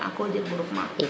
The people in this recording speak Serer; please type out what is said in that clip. a ko jeg groupement :gfra